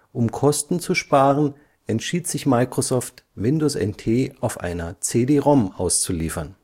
Um Kosten zu sparen, entschied sich Microsoft, Windows NT auf einer CD-ROM auszuliefern